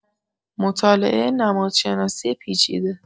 مطالعه نمادشناسی پیچیده